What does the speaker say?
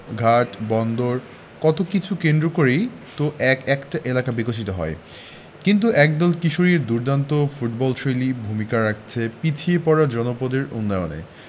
ঘাট বন্দর কত কিছু কেন্দ্র করেই তো এক একটা এলাকা বিকশিত হয় কিন্তু একদল কিশোরীর দুর্দান্ত ফুটবলশৈলী ভূমিকা রাখছে পিছিয়ে পড়া জনপদের উন্নয়নে